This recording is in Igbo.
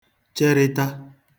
cherịta